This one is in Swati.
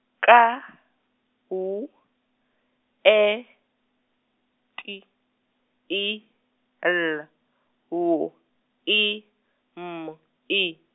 K, W, E, T, I, L, W, I, M I.